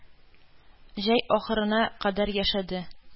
Җәй ахырына кадәр яшәде.